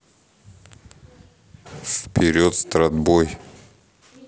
вперед стратбой